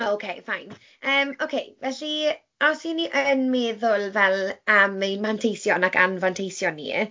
Ok fine. Yym ok, felly os 'y ni yn meddwl fel am ein manteision ac anfanteision ni.